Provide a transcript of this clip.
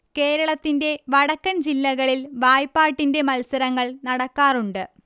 കേരളത്തിൻറെ വടക്കൻ ജില്ലകളിൽ വായ്പാട്ടിൻറെ മത്സരങ്ങൾ നടക്കാറുണ്ട്